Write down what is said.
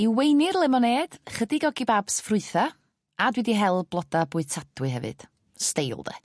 I weini'r lemonêd ychydig o gibabs ffrwytha', a dwi 'di hel bloda' bwytadwy hefyd. Steil 'de?